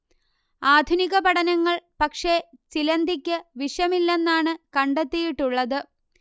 ആധുനിക പഠനങ്ങൾ പക്ഷേ ചിലന്തിക്ക് വിഷം ഇല്ലെന്നാണ് കണ്ടെത്തിയിട്ടുള്ളത്